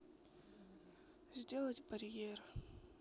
сделать барьер